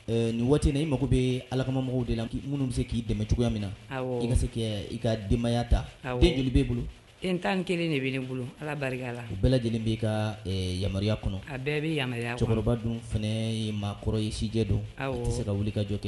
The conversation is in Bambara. Nin waati na i mago bɛ ala kama mɔgɔw de la' minnu bɛ se k'i dɛmɛ cogoya min na i ka se i ka denbayaya ta bɛ bolo e tan kelen de bɛ n bolo ala barika la u bɛɛ lajɛlen bɛ' ka yamaruya kɔnɔ a bɛɛ bɛ yamaya cɛkɔrɔba dun fana maa kɔrɔ ye sijɛ don tɛ se ka wuli ka jɔ kɛ